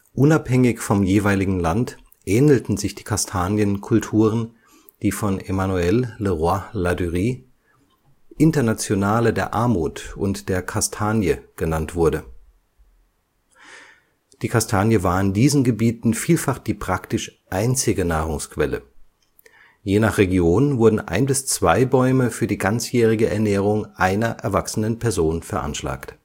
Unabhängig vom jeweiligen Land ähnelten sich die Kastanien-Kulturen, die von Emmanuel Le Roy Ladurie Internationale der Armut und der Kastanie genannt wurde. Die Kastanie war in diesen Gebieten vielfach die praktisch einzige Nahrungsquelle. Je nach Region wurden ein bis zwei Bäume für die ganzjährige Ernährung einer erwachsenen Person veranschlagt